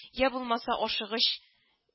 Йә булмаса ашыгыч